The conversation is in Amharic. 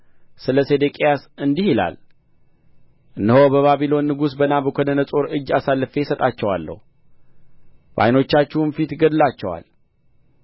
ስለ ሴዴቅያስ እንዲህ ይላል እነሆ በባቢሎን ንጉሥ በናቡከደነፆር እጅ አሳልፌ እሰጣቸዋለሁ በዓይኖቻችሁም ፊት ይገድላቸዋል